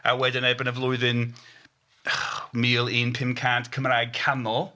A wedyn erbyn y flwyddyn mil pump cant Cymraeg Canol.